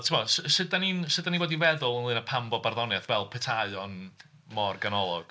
Timod su- su- dan ni'n sut dan ni fod i feddwl ynglŷn â pam bod barddoniaeth fel petai o'n mor ganolog?